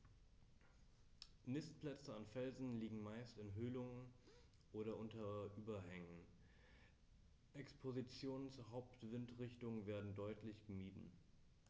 Nistplätze an Felsen liegen meist in Höhlungen oder unter Überhängen, Expositionen zur Hauptwindrichtung werden deutlich gemieden.